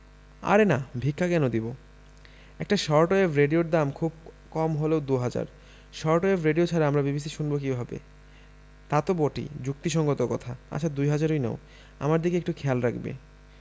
আরে না ভিক্ষা কেন দিব একটা শর্ট ওয়েভ রেডিওর দাম খুব কম হলেও দু হাজার শর্ট ওয়েভ রেডিও ছাড়া আমরা বিবিসি শুনব কিভাবে তা তো বটেই যুক্তিসংগত কথা আচ্ছা দু হাজারই নাও আমার দিকে একটু খেয়াল রাখবে